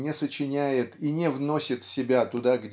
не сочиняет и не вносит себя туда